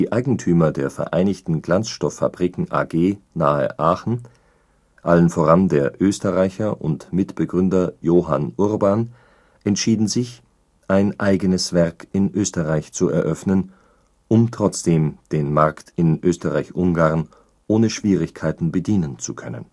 Eigentümer der Vereinigten Glanzstoff-Fabriken AG nahe Aachen, allen voran der Österreicher und Mitbegründer Johann Urban, entscheiden sich, ein eigenes Werk in Österreich zu eröffnen, um trotzdem den Markt in Österreich-Ungarn ohne Schwierigkeiten bedienen zu können